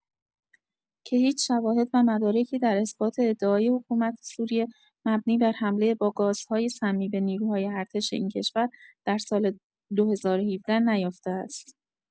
که هیچ شواهد و مدارکی در اثبات ادعای حکومت سوریه مبنی بر حمله با گازهای سمی به نیروهای ارتش این کشور در سال ۲۰۱۷ نیافته است.